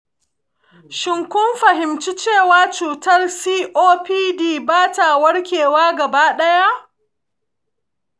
shin kun fahimci cewa cutar copd ba ta warkewa gaba ɗaya?